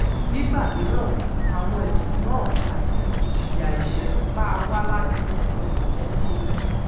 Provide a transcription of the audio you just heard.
Nígbà mìíràn, àwọn èsùn náà àti ìjìyà ẹṣé máa wá láti ọ̀dọ̀ mọ̀lébíi wọn.